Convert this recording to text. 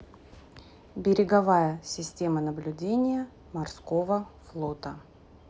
береговая система наблюдения морского флота